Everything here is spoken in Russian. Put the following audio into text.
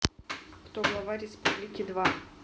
кто глава республики два